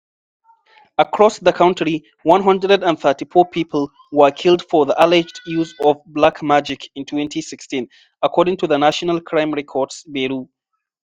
Across the country, 134 people were killed for the alleged use of "black magic" in 2016, according to the National Crime Records Bureau.